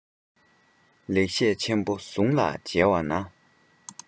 ལེགས བཤད ཆེན པོ ཟུང ལ མཇལ བ ན